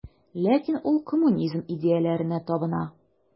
Ләкин ул коммунизм идеяләренә табына.